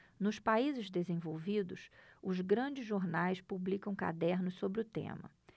nos países desenvolvidos os grandes jornais publicam cadernos sobre o tema